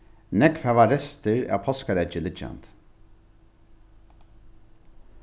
nógv hava restir av páskareggi liggjandi